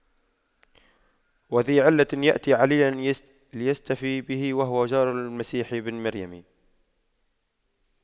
وذى علة يأتي عليلا ليشتفي به وهو جار للمسيح بن مريم